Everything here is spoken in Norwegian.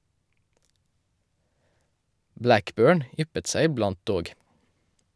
Blackburn yppet seg iblant, dog.